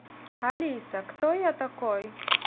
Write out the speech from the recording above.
алиса кто я такой